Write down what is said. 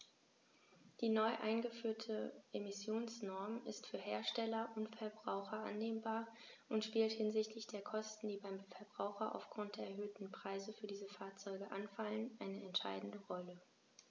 Die neu eingeführte Emissionsnorm ist für Hersteller und Verbraucher annehmbar und spielt hinsichtlich der Kosten, die beim Verbraucher aufgrund der erhöhten Preise für diese Fahrzeuge anfallen, eine entscheidende Rolle.